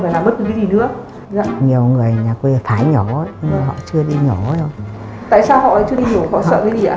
không cần phải làm bất cứ gì nữa nhiều người họ phải nhổ nhưng họ chưa đi nhổ tại sao họ chưa đi nhổ họ sợ cái gì ạ